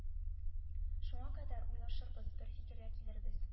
Шуңа кадәр уйлашырбыз бер фикергә килербез